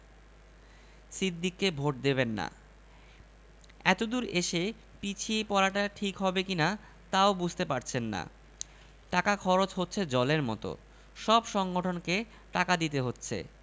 এক ঘণ্টার মধ্যে কুড়িটা ঢেকুর ওঠে গেছে ঘণ্টায় কুড়িটা হিসেবে ঢেকুর ওঠার মত কারণ ঘটেছে ইলেকশনে তাঁর মার্কা পড়েছে কুমীর এত কিছু থাকতে তাঁর ভাগ্যে পড়ল কুমীর